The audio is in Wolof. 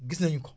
gis nañu ko